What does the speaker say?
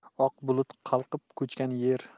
oq bulut qalqib ko'chgan yer